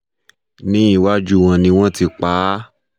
Ní iwájú wọn ni wọ́n ti pa á.